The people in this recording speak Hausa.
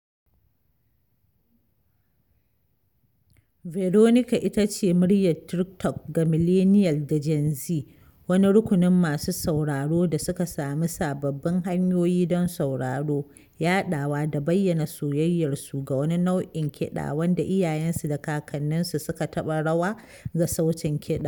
Veronica ita ce muryar TikTok ga millennial da Gen Z — wani rukunin masu sauraro da suka sami sababbin hanyoyi don sauraro, yaɗawa da bayyana soyayyarsu ga wani nau’in kiɗa wanda iyayensu da kakanninsu suka taɓa rawa ga sautin kiɗan.